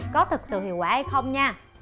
có thực sự hiệu quả hay không nha